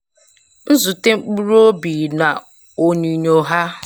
Nzute mkpụrụ obi na onyinyo ha